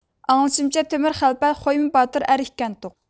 ئاڭلىشىمچە تۆمۈر خەلپە خويمۇ باتۇر ئەر ئىكەنتۇق